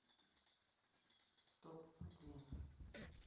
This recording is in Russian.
стоп отмена